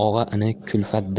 og'a ini kulfatda